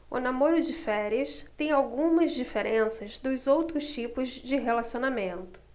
o namoro de férias tem algumas diferenças dos outros tipos de relacionamento